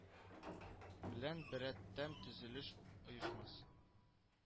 Белән беррәттән төзелеш оешмасы